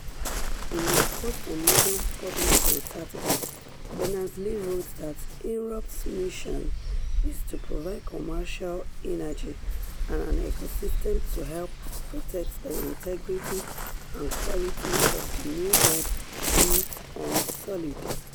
In a post on Medium published on Saturday, Berners-Lee wrote that Inrupt's "mission is to provide commercial energy and an ecosystem to help protect the integrity and quality of the new web built on Solid."